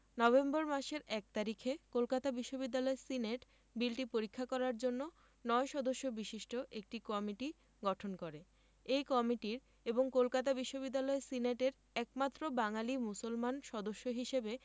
November মাসের ১ তারিখে কলকাতা বিশ্ববিদ্যালয় সিনেট বিলটি পরীক্ষা করার জন্য ৯ সদস্য বিশিষ্ট একটি কমিটি গঠন করে এই কমিটির এবং কলকাতা বিশ্ববিদ্যালয় সিনেটের একমাত্র বাঙালি মুসলমান সদস্য হিসেবে